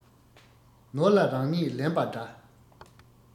ནོར ལ རང ཉིད ལེན པ འདྲ